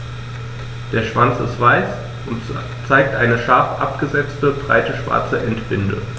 Der Schwanz ist weiß und zeigt eine scharf abgesetzte, breite schwarze Endbinde.